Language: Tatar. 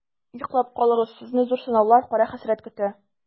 Йоклап калыгыз, сезне зур сынаулар, кара хәсрәт көтә.